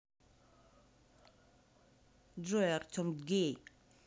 джой артем гей